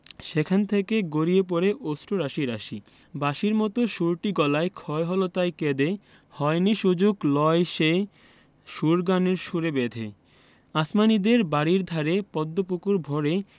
সেখান দিয়ে গড়িয়ে পড়ে অশ্রু রাশি রাশি বাঁশির মতো সুরটি গলায় ক্ষয় হল তাই কেঁদে হয়নি সুযোগ লয় সে সুর গানের সুরে বেঁধে আসমানীদের বাড়ির ধারে পদ্ম পুকুর ভরে